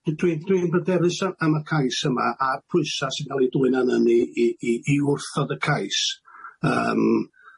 Dw- dwi'n dwi'n bryderus a- am y cais yma, a'r pwysa' sy'n ca'l ei dwyn arnan ni i i i wrthod y cais, yym,